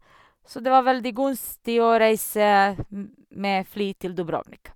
Så det var veldig gunstig å reise m med fly til Dubrovnik.